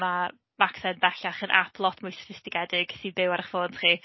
Ma' Macsen bellach yn ap lot mwy soffistigedig sy'n byw ar eich ffôns chi.